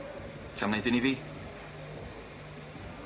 Ti am neud un i fi?